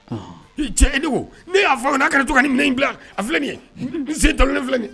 Cɛ i n'i y'a fɔ ko n'a kɛra to ni min bila a filɛ nin ye n se da ni filɛ ye